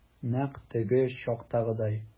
Нәкъ теге чактагыдай.